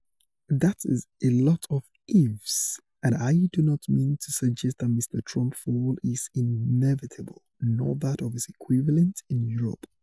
That is a lot of ifs, and I do not mean to suggest that Mr. Trump's fall is inevitable - nor that of his equivalents in Europe.